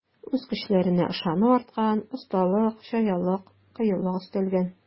Үз көчләренә ышану арткан, осталык, чаялык, кыюлык өстәлгән.